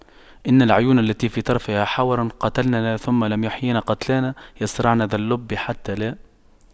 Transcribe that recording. إن العيون التي في طرفها حور قتلننا ثم لم يحيين قتلانا يَصرَعْنَ ذا اللب حتى لا